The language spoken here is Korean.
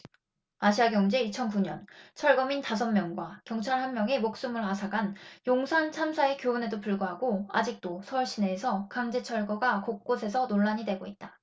아시아경제 이천 구 년 철거민 다섯 명과 경찰 한 명의 목숨을 앗아간 용산참사의 교훈에도 불구하고 아직도 서울 시내에서 강제철거가 곳곳에서 논란이 되고 있다